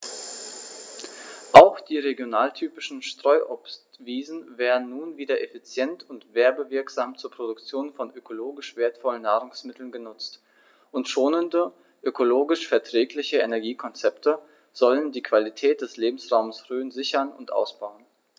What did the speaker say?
Auch die regionaltypischen Streuobstwiesen werden nun wieder effizient und werbewirksam zur Produktion von ökologisch wertvollen Nahrungsmitteln genutzt, und schonende, ökologisch verträgliche Energiekonzepte sollen die Qualität des Lebensraumes Rhön sichern und ausbauen.